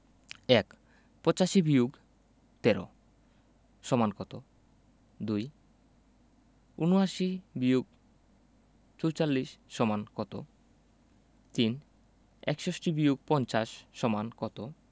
১ ৮৫-১৩ = কত ২ ৭৯-৪৪ = কত ৩ ৬১-৫০ = কত